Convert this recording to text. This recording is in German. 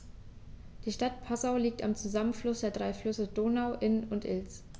Die Stadt Passau liegt am Zusammenfluss der drei Flüsse Donau, Inn und Ilz.